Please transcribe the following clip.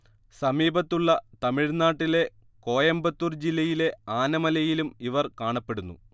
സമീപത്തുള്ള തമിഴ്നാട്ടിലെ കോയമ്പത്തൂർ ജില്ലയിലെ ആനമലയിലും ഇവർ കാണപ്പെടുന്നു